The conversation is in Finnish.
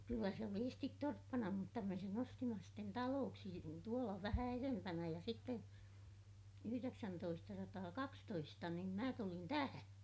kyllä se oli esisti torppana mutta me sen ostimme sitten taloksi tuolla vähän edempänä ja sitten yhdeksäntoistasataakaksitoista niin minä tulin tähän